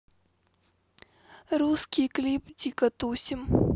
русский клип дико тусим